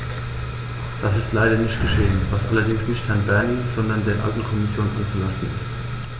Das ist leider nicht geschehen, was allerdings nicht Herrn Bernie, sondern der alten Kommission anzulasten ist.